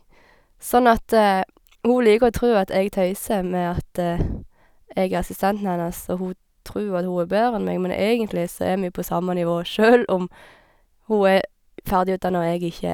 Sånn at hun liker å tro at jeg tøyser med at jeg er assistenten hennes, og hun tror at hun er bedre enn meg, men egentlig så er vi på samme nivå, sjøl om hun er ferdigutdanna og jeg ikke.